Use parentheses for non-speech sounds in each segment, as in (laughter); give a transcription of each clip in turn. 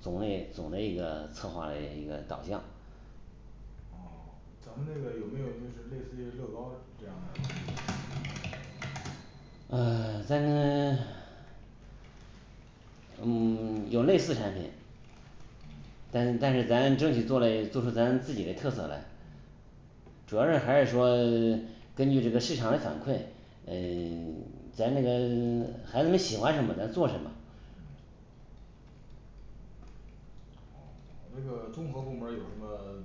总类总的一个策划的一个导向哦咱们那个有没有就是类似于乐高这样的玩具呃 (silence) 咱们嗯 (silence) 有类似产品嗯但是但是咱争取做嘞做出咱自己的特色来嗯主要是还是说 (silence) 根据这个市场嘞反馈嗯咱那个 (silence) 孩子们喜欢什么咱做什么嗯哦那个综合部门儿有什么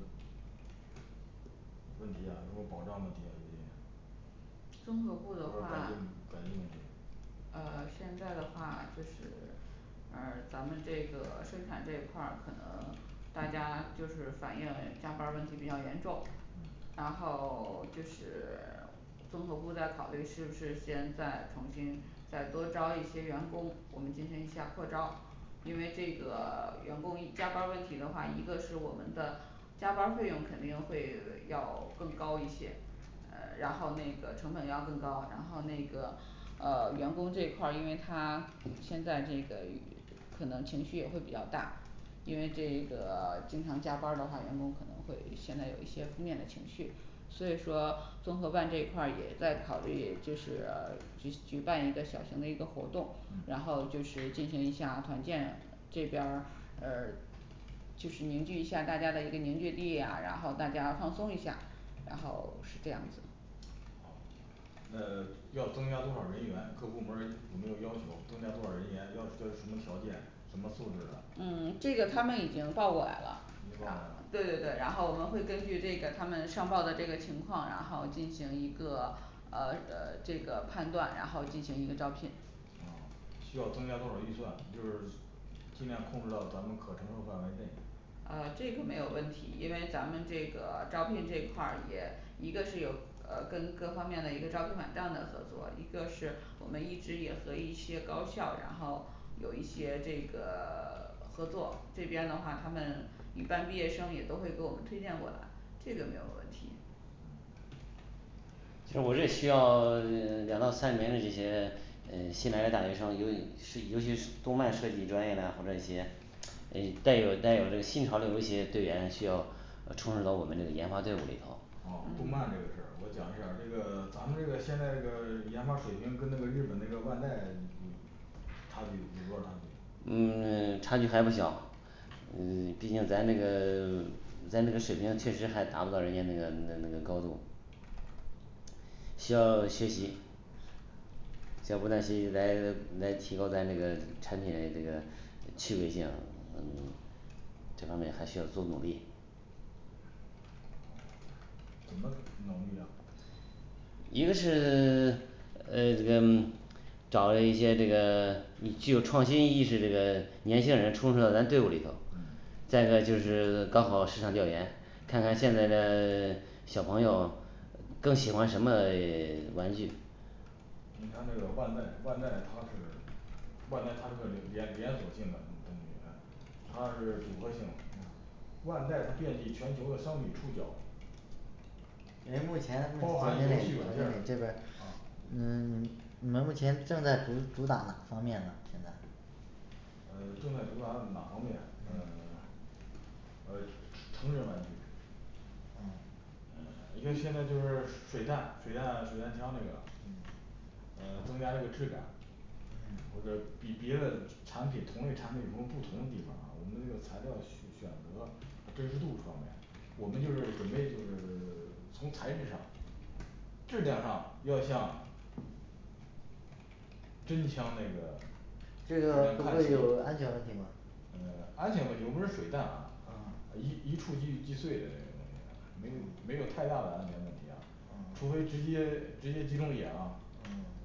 问题啊，有什么保障问题啊这些综合部就儿是的改话进改进问题。呃现在的话就是而咱们这个生产这一块儿可能大家就是反映了加班儿问题比较严重嗯，然后 (silence) 就是 (silence) 综合部在考虑是不是先再重新再多招一些员工，我们进行一下扩招因为这个 (silence) 员工加班儿问题的话，一个是我们的加班儿费用肯定会要更高一些呃然后那个成本要更高，然后那个呃员工这一块儿，因为他现在这个与可能情绪也会比较大因为这个 (silence) 经常加班儿的话，员工可能会现在有一些负面的情绪所以说综合办这块儿也在考虑就是举举办一个小型的一个活动，然嗯后就是进行一下团建。这边儿呃就是凝聚一下大家的凝聚力啊，然后大家放松一下儿然后是这样子哦那要增加多少人员，各部门儿有没有要求增加多少人员，要要什么条件什么素质的嗯这个他们已经报过来了已经报过来对对了，对，然后我们会根据这个他们上报的这个情况，然后进行一个呃呃这个判断，然后进行一个招聘哦需要增加多少预算就是尽量控制到咱们可承受范围内呃这个没有问题，因为咱们这个招聘这一块儿也一个是有呃跟各方面的一个招聘网站的合作，一个是我们一直也和一些高校，然后有一些这个 (silence) 合作，这边的话他们一般毕业生也都会给我们推荐过来这个没有问题。这我这需要 (silence) 两到三年的这些呃新来的大学生，尤其是尤其是动漫设计专业的啊或者一些诶带有带有这个新潮流的一些队员需要呃充实到我们这个研发队伍里头哦动漫这个事儿我讲一下儿，这个咱们这个现在这个研发水平跟那个日本那个万代都差距有多大差距嗯 (silence) 差距还不小呃 (silence) 毕竟咱那个 (silence) 咱那个水平确实还达不到人家那个那个那个高度需要学习先不担心来来提高咱这个产品嘞这个趣味性嗯这方面还需要多努力怎么努力啊一个是 (silence) 呃嗯找了一些这个 (silence) 具有创新意识这个年轻人充斥到咱队伍里头嗯再一个就是搞好市场调研看看嗯现在的 (silence) 小朋友更喜欢什么 (silence) 玩具你看那个万代万代他是万代他是个离 (unintelligible) 连连锁性的东西哎它是主播性嗯万代它遍及全球的商品触角你们目前，包目含总游经戏理总经理软这件儿边儿啊嗯你们目前正在主主打哪方面呢现在呃正在主打哪方面呃 (silence) 呃成人玩具嗯呃因为现在就是水弹水弹水弹枪那个嗯呃增加这个质感&嗯&或者比别的产 (unintelligible) 产品同类产品有什么不同的地方儿啊，我们这个材料儿的选选择和真实度方面我们就是准备就是 (silence) 从材质上质量上要向真枪那个这个不会有安全问题吗呃安全问题我们是水弹啊嗯一一触即即碎的那个东西没有没有太大的安全问题啊除非嗯直接直接击中眼啊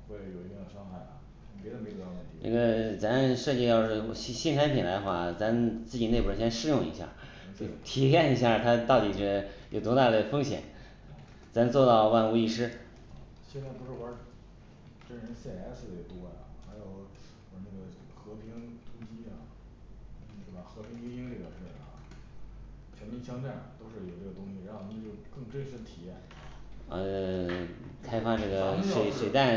嗯会有一定的伤害啊别的没多大问题那，个咱设计要是新新产品嘞话，咱自己内部人先试用一下呃对体验一下儿他到底的有多大的风险嗯咱做到万无一失现在不是玩儿真人C S也多呀，还有那个和平突击啊是吧和平精英这个是啊全民枪战都是有这个东西让我们就更真实的体验啊咱们要是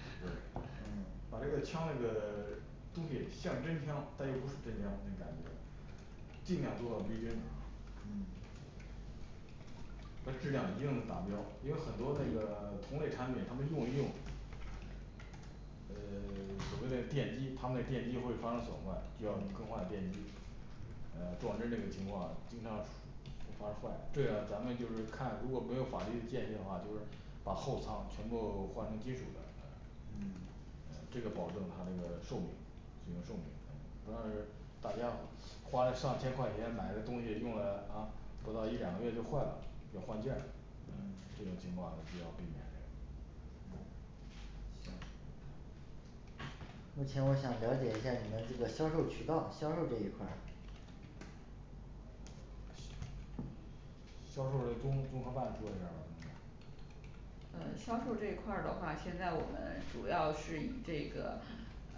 对嗯把这个枪那个 (silence) 东西像真枪，但又不是真枪那感觉尽量做到逼真的啊嗯那质量一定能达标，因为很多那个 (silence) 同类产品他们用一用呃 (silence) 所谓的电机，它们那电机会发生损坏，就要更换电机呃装置这个情况经常不发坏这样咱们就是看如果没有法律的建议的话就是把后舱全部换成金属的呃嗯嗯这个保证他这个寿命使用寿命呃然后是大家花了上千块钱买的东西，用了啊不到一两个月就坏了，要换件儿呃这种情况一定要避免这个嗯行目前我想了解一下你们这个销售渠道销售这一块儿销售嘞综综合办说一下儿吧综合办呃销售这一块儿的话，现在我们主要是以这个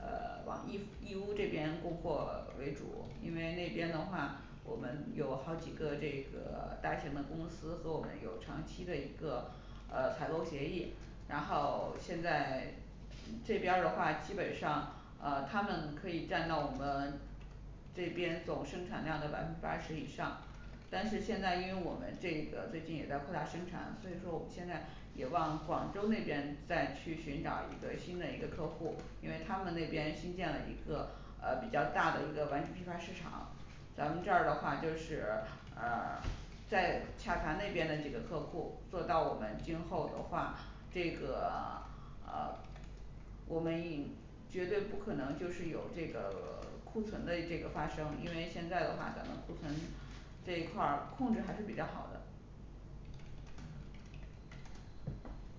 呃 (silence) 往义义乌这边供货为主，因为那边的话我们有好几个这个大型的公司和我们有长期的一个呃采购协议，然后现在这边儿的话基本上呃他们可以占到我们这边总生产量的百分之八十以上但是现在因为我们这个最近也在扩大生产，所以说我们现在也往广州那边再去寻找一个新的一个客户因为他们那边新建了一个呃比较大的一个玩具地面儿市场咱们这儿的话就是呃在洽谈那边的几个客户做到我们今后的话这个 (silence) 呃我们一绝对不可能就是有这个 (silence) 库存的这个发生，因为现在的话咱们库存这一块儿控制还是比较好的嗯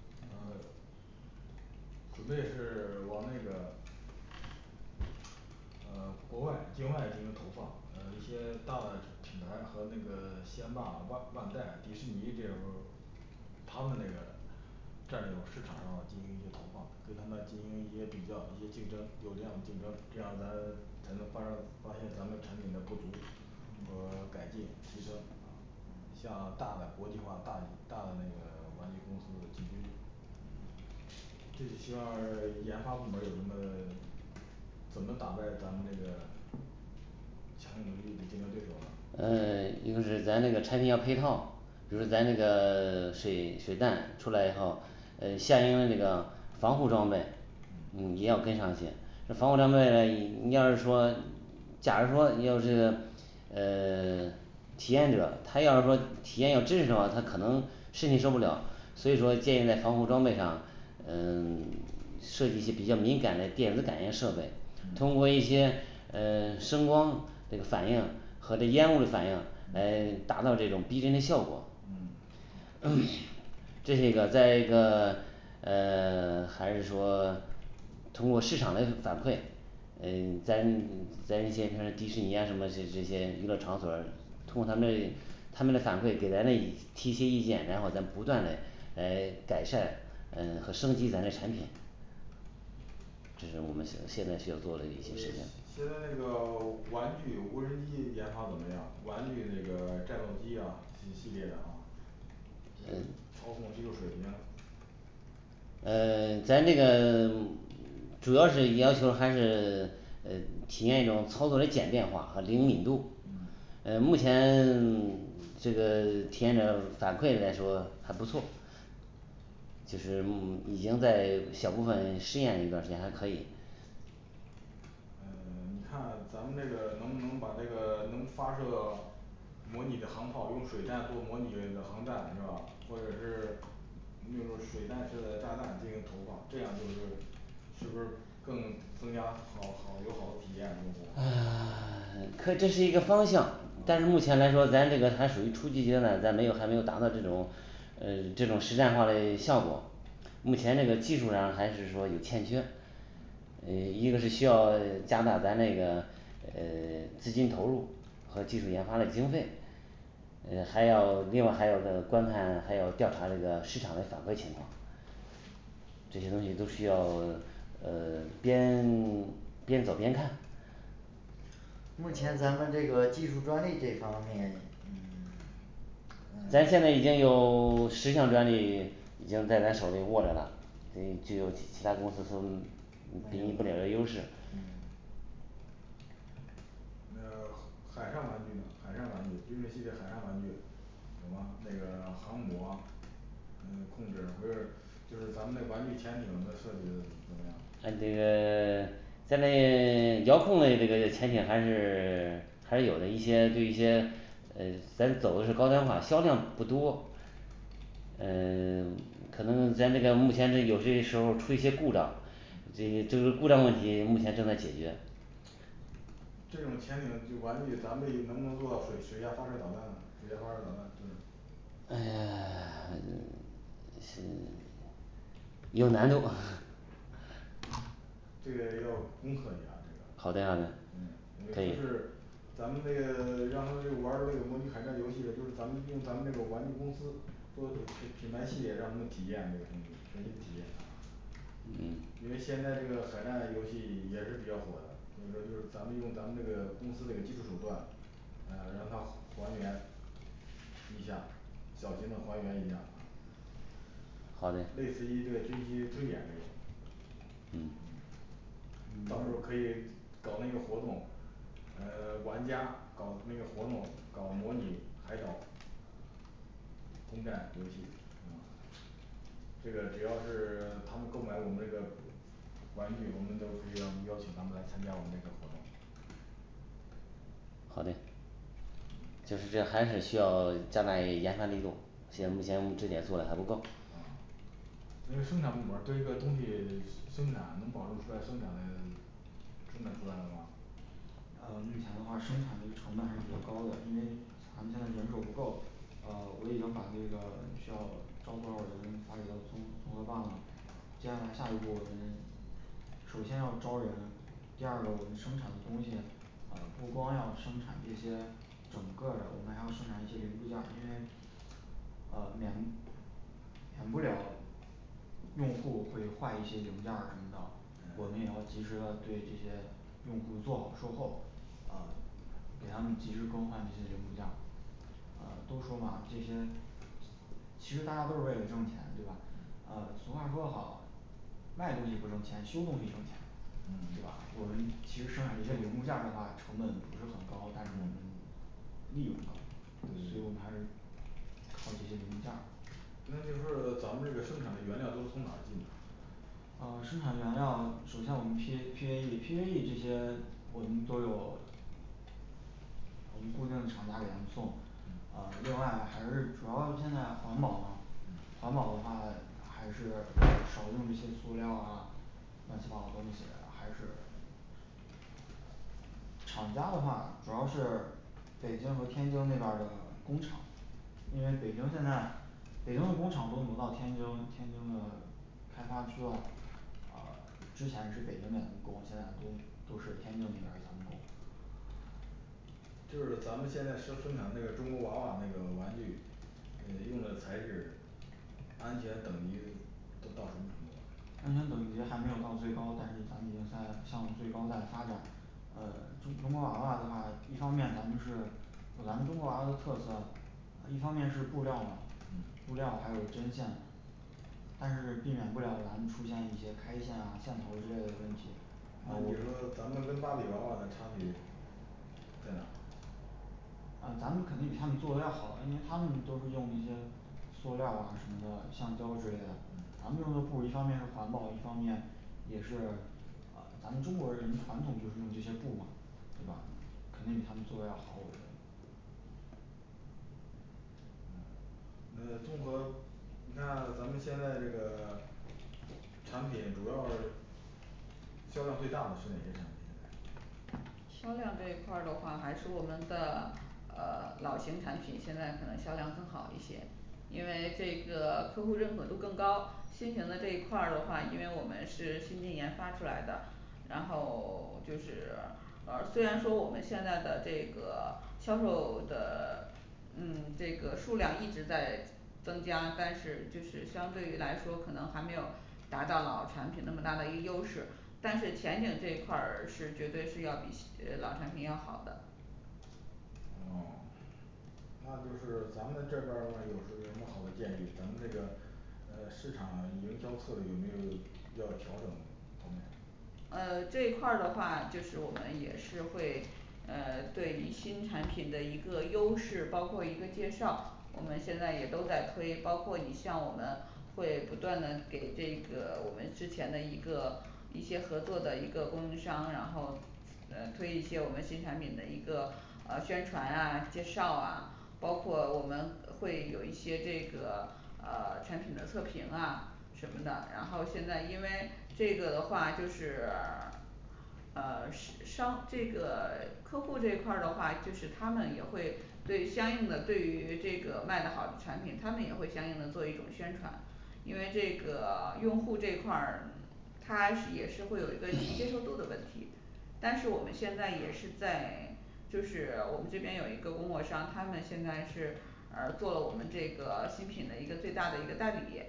呃准备是往那个呃国外境外进行投放呃一些大的这品牌和那个先霸万万代迪士尼这种他们这个战略市场上进行一些投放给他们进行一些比较一些竞争，有这样的竞争，这样咱才能发生发现咱们产品的不足和改进提升啊嗯像大的国际化大大的那个玩具公司进军这就希望 (silence) 研发部门儿有什么怎么打败咱们这个强有力的竞争对手了呃 (silence) 一个是咱那个产品要配套比如咱那个 (silence) 水水弹出来以后呃相应的那个防护装备嗯嗯也要跟上去这防护装备 (silence) 你要是说假如说你要是呃 (silence) 体验者，他要是说体验要真实的话，他可能身体受不了，所以说建议在防护装备上呃嗯 (silence) 设计一些比较敏感嘞电子感应设备嗯通过一些呃声光这个反应和这烟雾的反应来达到这种逼真的效果嗯这是一个再一个呃 (silence) 还是说通过市场嘞反馈诶咱在一些还是迪士尼啊什么这这些娱乐场所儿通过团队他们嘞反馈给咱们提一些意见，然后咱们不断嘞来改善嗯和升级咱嘞产品这是我们现在现在需要做的一些事情现在那个玩具无人机研发怎么样，玩具那个战斗机啊系系列的啊对操控技术水平呃 (silence) 咱这个 (silence) 主要是要求还是 (silence) 呃体验一种操作嘞简便化和灵敏度嗯呃目前 (silence) 这个体验的反馈来说还不错就是嗯已经在小部分试验了一段儿时间还可以呃 (silence) 你看咱们这个能不能把这个能发射模拟的航炮用水弹做模拟的这个航弹是吧或者是你比如说水弹式的，炸弹进行投放，这样就是 (silence) 是不是更增加好好有好的体验用户啊 (silence) 可这是一个方向，但是目啊前来说咱这个还属于初级阶段，咱没有还没有达到这种呃这种实战化嘞项目目前这个技术上还是说有欠缺呃一个是需要加大咱那个呃 (silence) 资金投入和技术研发的经费呃还要另外还要再观看，还要调查这个市场嘞反馈情况这些东西都需要 (silence) 呃边 (silence) 边走边看目前咱们嗯这个技术专利这方面嗯 (silence) 咱嗯现在已经有 (silence) 十项专利已经在咱手里握着啦所以就有其其他公司所比拟不了的优势嗯我们要海上玩具呢海上玩具军事系列海上玩具有吗那个航母啊嗯控制不是就是咱们的玩具潜艇的设计的怎么样看这个 (silence) 在那 (silence) 摇控嘞这个前景还是 (silence) 还是有的一些一些呃咱走嘞是高端化，销量不多呃 (silence) 可能在那个目前的有些时候儿出一些故障这这个故障问题目前正在解决这种潜艇就玩具咱们一能不能做到水水下发射导弹啊，水下发射导弹就是哎呀 (silence) 嗯嗯有难度这个要攻克一下这个好的好的嗯可以咱们那个 (silence) 让他们就是玩儿那个模拟海战游戏的，就是咱们用咱们这个玩具公司多做做品牌系列，让他们体验这个东西，全新体验嗯因为现在这个海战游戏也是比较火的所以说就是咱们用咱们那个公司这个技术手段呃然后他还原一下小型的还原一下啊好嘞类似于这个军区推演这种嗯到嗯时候可以搞那个活动呃 (silence) 玩家搞那个活动，搞模拟海岛公干游戏啊这个只要是 (silence) 他们购买我们这个玩具，我们都可以让他们邀请他们来参加我们这个活动好嘞就是这还是需要加大研发力度，现在目嗯前我们质检做的还不够哦那个生产部门儿对这个东西 (silence) 生生产能保证出来，生产的 (silence) 生产出来了吗呃目前的话生产的成本还是比较高的，因为咱们现在人手不够呃我已经把那个需要招多少人发给到综综合办了接下来下一步我们首先要招人第二个我们生产的东西呃不光要生产这些整个儿的我们还要生产一些零部件儿，因为呃免免不了用户会坏一些零件儿什么的&呃&我们也要及时的对这些用户做好售后啊给他们及时更换这些零部件儿呃都说嘛这些其实大家都是为了挣钱对吧呃俗话说的好卖东西不挣钱，修东西挣钱嗯对吧我们其实生产这些零部件儿的话成本不是很高，但是我们利润高对，所以我们还是靠这些零部件儿那就说说咱们这个生产的原料都是从哪儿进的呃生产原料首先我们P A P A E P A E这些我们都有我们固定的厂家给咱们送呃另外还是主要是现在环保嘛环保的话还是少用这些塑料啊乱七八糟东西还是呃厂家的话主要是北京和天津那边儿的工厂因为北京现在北京的工厂都挪到天津天津的开发区了啊之前是北京给咱们供，现在都都是天津那边给咱们供就是咱们现在生生产那个中国娃娃那个玩具呃用的材质安全等级都到什么程度了安全等级还没有到最高，但是咱们已经在向最高在发展呃中中国娃娃的话，一方面咱们是有咱们中国娃娃的特色一方面是布料嘛嗯布料还有针线但是避免不了咱们出现一些开线啊线头之类的问题啊你说咱我们跟芭比娃娃的差距在哪儿啊啊咱们肯定比他们做的要好，因为他们都是用一些塑料啊什么的橡胶之类的咱们用的布儿一方面是环保，一方面也是呃咱们中国人传统就是用这些布儿嘛对吧嗯肯定比他们做的要好，我觉得嗯那综合你看咱们现在这个 (silence) 产品主要销量最大的是哪些产品现在销量这一块儿的话还是我们的呃老型产品现在可能销量更好一些因为这个客户认可度更高新型的这一块儿的话，因为我们是新型研发出来的然后 (silence) 就是 (silence) 呃虽然说我们现在的这个销售的 (silence) 嗯这个数量一直在增加但是就是相对于来说可能还没有达到了产品那么大的一优势但是前景这一块儿是绝对是要比老产品要好的哦那就是咱们这边儿的话有时候有什么好的建议，咱们那个呃市场营销策略有没有要调整的方面呃这一块儿的话就是我们也是会呃对新产品的一个优势，包括一个介绍我们现在也都在推，包括你像我们会不断的给这个 (silence) 我们之前的一个一些合作的一个供应商，然后呃推一些我们新产品的一个呃宣传介绍啊包括我们呃会有一些这个 (silence) 呃产品的测评啊什么的，然后现在因为这个的话就是 (silence) 呃是商这个 (silence) 客户这一块儿的话就是他们也会对相应的对于这个卖的好的产品，他们也会相应的做一种宣传因为这个 (silence) 用户这一块儿他也是会有一个接受度的问题但是我们现在也是在 (silence) 就是我们这边有一个供货商，他们现在是呃做我们这个新品的一个最大的一个代理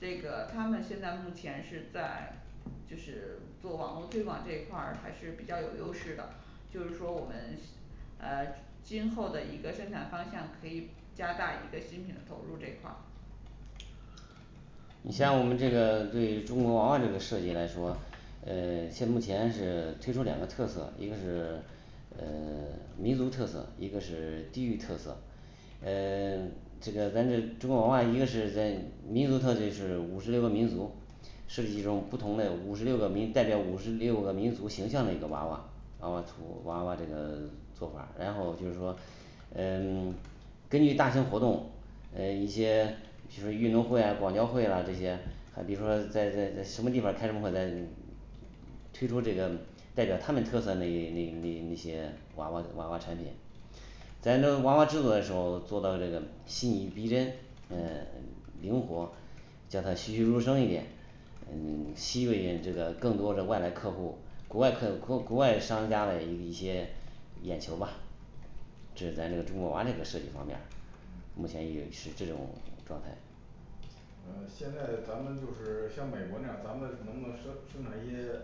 这个他们现在目前是在就是做网络推广这一块儿还是比较有优势的就是说我们呃今后的一个生产方向可以加大一个新品的投入这一块儿你像我们嗯这个对中国娃娃这个设计来说呃 (silence) 现目前是推出两个特色，一个是呃 (silence) 民族特色，一个是地域特色呃 (silence) 这个咱这个中国文化一个是那民族特色是五十六个民族是一种不同嘞五十六个民代表，五十六个民族形象的一个娃娃娃娃图娃娃这个 (silence) 做法儿，然后就是说嗯 (silence) 根据大型活动嗯一些就是运动会啊广交会啊这些哎比如说在在在什么地方儿开什么在推出这个代表他们特色的那那那那些娃娃娃娃产品在那个娃娃制作的时候做到这个细腻逼真诶 (silence) 灵活叫他栩栩如生一点嗯吸引这个更多的外来客户国外是国国外商家嘞一些眼球吧这是咱那个中国娃娃那个设计方面儿目前应该是这种状态呃现在咱们就是像美国那样，咱们能不能生生产一些